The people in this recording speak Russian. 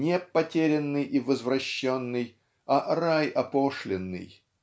-- не потерянный и возвращенный а рай опошленный.